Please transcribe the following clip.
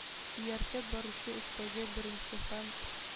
Ияртеп баручы өстәге беренче һәм